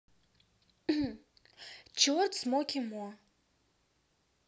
черт смоки мо